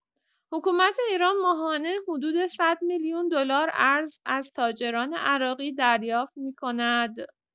حکومت ایران ماهانه حدود ۱۰۰ میلیون دلار ارز از تاجران عراقی دریافت می‌کند.